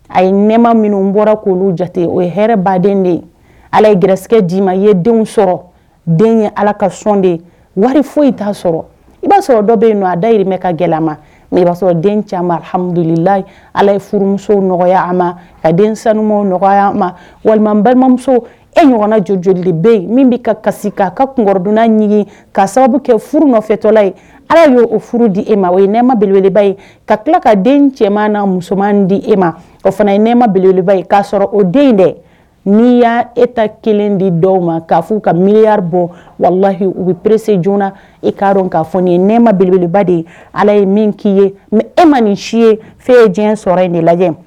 A ye nɛma minnu bɔra k'olu jate o ye hɛrɛ baden de ye ala ye ggɛ d'i ma ye denw sɔrɔ den ye ala ka sɔn de ye wari foyi t'a sɔrɔ i b'a sɔrɔ dɔ bɛ yen don a dayimɛ ka gɛlɛya ma mɛ i b'a sɔrɔ den camanmlayi ala ye furumuso nɔgɔya a ma ka den sanu nɔgɔya ma walima balimamuso e ɲɔgɔn jɔjli bɛ ye min bɛ ka kasi k'a ka kund ɲini ka sababu kɛ furu nɔfɛtɔla ye ala y' o furu di e ma o ye nɛma beleba ye ka tila ka den cɛman na musoman di e ma o fana ye nɛmaeleba k'a sɔrɔ o den dɛ n'i y'a e ta kelen di dɔw ma k ka' u ka miiriyari bɔ walahi u bɛ perese joona i kaa dɔn k'a fɔ nin ye nɛmaelebeleba de ye ala ye min k'i ye mɛ e ma nin si ye fɛn ye diɲɛ sɔrɔ ye de lajɛ